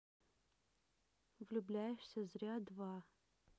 влюбляешься зря два